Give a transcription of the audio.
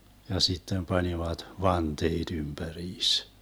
ja sitten panivat vanteet ympäriinsä